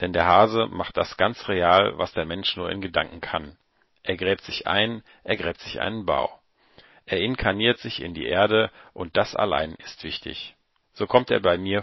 Denn der Hase macht das ganz real, was der Mensch nur in Gedanken kann. Er gräbt sich ein, er gräbt sich einen Bau. Er inkarniert sich in die Erde, und das allein ist wichtig. So kommt er bei mir vor